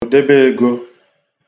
òdebeego